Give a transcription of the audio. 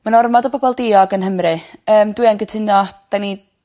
Ma' 'na ormod o bobol diog yng Nghymru. Yym dwi yn gytuno. 'Dyn ni